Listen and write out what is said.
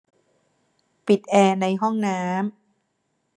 ปิดแอร์ในห้องน้ำ